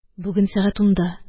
Бүген сәгать унда